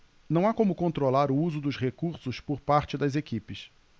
não há como controlar o uso dos recursos por parte das equipes